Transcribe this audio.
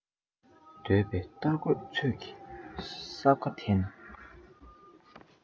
འདོད པའི རྟ རྒོད ཚོད ཀྱི སྲབ ཁ འཐེན